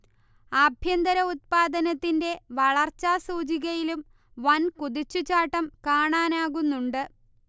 ആഭ്യന്തര ഉത്പാദനത്തിന്റെ വളർച്ചാ സൂചികയിലും വൻകുതിച്ചു ചാട്ടം കാണാനാകുന്നുണ്ട്